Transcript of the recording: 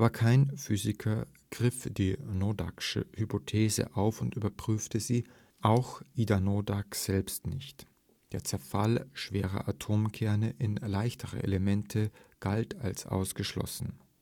kein Physiker griff die noddacksche Hypothese auf und überprüfte sie, auch Ida Noddack selbst nicht. Der Zerfall schwerer Atomkerne in leichtere Elemente galt als ausgeschlossen